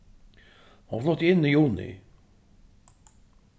hon flutti inn í juni